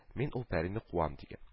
Мин ул пәрине куам»,— дигән